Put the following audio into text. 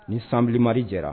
Ni sanbi mariri jɛra